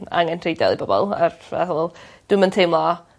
angenrheidiol i pobol dwi'm yn teimlo